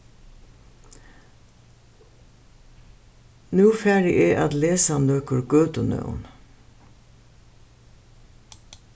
nú fari eg at lesa nøkur gøtunøvn